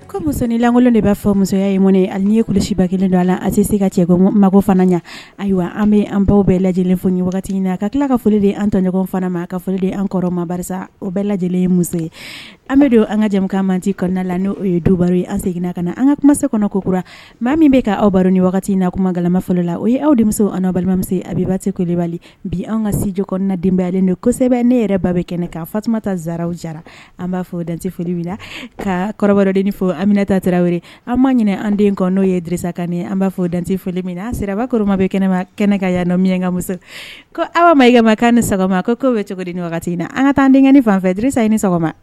Ko musoninninlankolon de b'a fɔ musoya ye mɔn ale ye kuluba kelen don a la an tɛ se ka cɛ mago fana ɲɛ ayiwa an bɛ an baw bɛɛ lajɛ lajɛlen fo ni wagati in na ka tila ka foli de an tɔɲɔgɔn fana ma ka foli de an kɔrɔma o bɛɛ lajɛ lajɛlen ye muso ye an bɛ don an ka jɛkan manti kɔnɔna la n'o ye duba an seginna kan an ka kumase kɔnɔ kokura maa min bɛ' aw baro ni wagati in na kuma galama fɔlɔ la o ye aw denmusomi an balimamuso aba se kuli bali bi an ka s j kɔnɔnanadenbaya don kosɛbɛ ne yɛrɛ ba bɛ kɛnɛ ka fatumata zsaaraw jara an b'a fɔ dantɛ foli mina ka kɔrɔdɔden ni fɔ anminata tarawele an m'a ɲini an den kɔnɔ'o ye dsa ka an b' fɔ o dantɛ foli mina na a siraba koroma bɛ kɛnɛma kɛnɛ ka nɔ miyanka muso ko aw ma ekɛ ma kɛ ni sɔgɔma ko kow bɛ cogodi di ni wagati in na an ka taa an denkɛk ni fanfɛ dsa ye ni sɔgɔma